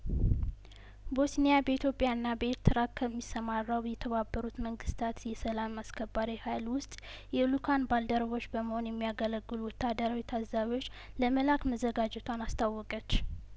ቦስኒያ በኢትዮጵያ ና በኤርትራ ከሚሰማራው የተባበሩት መንግስታት የሰላም አስከባሪ ሀይል ውስጥ የልኡካን ባልደረቦች በመሆን የሚያገለግሉ ወታደራዊ ታዛቢዎች ለመላክ መዘጋጀቷን አስታወቀች